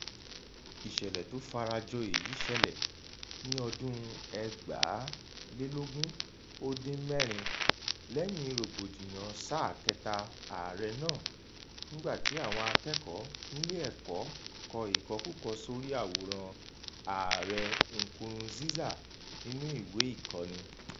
Ìṣẹ̀lẹ̀ tó fara jọ èyí ṣẹlẹ̀ ní 2016, lẹ́yìnin rògbòdìyàn sáà kẹ́ta Ààrẹ náà, nígbà tí àwọn akẹ́kọ̀ọ́ nílé ẹ̀kọ́ kọ ìkọkúkọ sórí àwòrán (Ààrẹ) Nkurunziza nínú ìwé ìkọ́ni.